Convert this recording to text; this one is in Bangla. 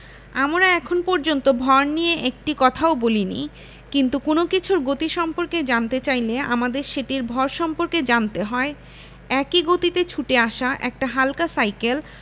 আমরা এখন পর্যন্ত ভর নিয়ে একটি কথাও বলিনি কিন্তু কোনো কিছুর গতি সম্পর্কে জানতে চাইলে আমাদের সেটির ভর সম্পর্কে জানতে হয় একই গতিতে ছুটে আসা একটা হালকা সাইকেল